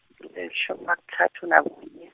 lishumi nakutsatfu nakunye.